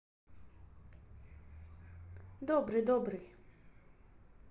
добрый добрый